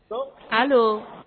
Hali